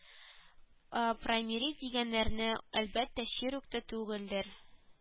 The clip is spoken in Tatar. Праймериз дигәннәре әлбәттә чир үк тә түгелдер